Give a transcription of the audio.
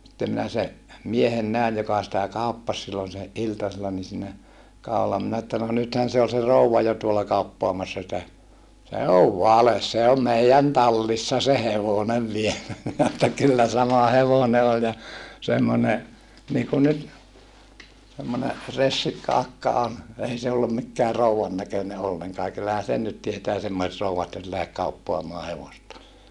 sitten minä sen miehen näin joka sitä kauppasi silloin se iltasella niin siinä kadulla minä että no nythän se oli se rouva jo tuolla kauppaamassa sitä se on vale se on meidän tallissa se hevonen vielä minä että kyllä sama hevonen oli ja semmoinen niin kuin nyt semmoinen ressikka akka on ei se ollut mikään rouvan näköinen ollenkaan ja kyllähän sen nyt tietää semmoiset rouvat nyt lähde kauppaamaan hevosta